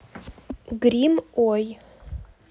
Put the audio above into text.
грим ой